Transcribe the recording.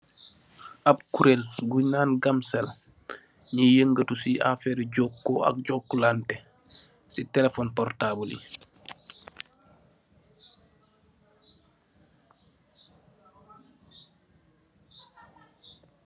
Abe kurel bun ban Gamcel nuye yagatu se afere joku ak jukulante se telephone purtable yee.